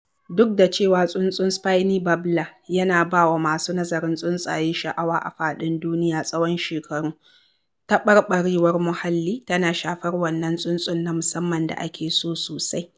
Duk da cewa tsuntsun Spiny Blabber yana ba wa masu nazarin tsuntsaye sha'awa a faɗin duniya tsawon shekaru, taɓarɓarewar muhalli tana shafar wannan tsuntsun na musamman da ake so sosai.